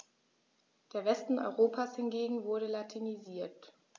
Der Westen Europas hingegen wurde latinisiert.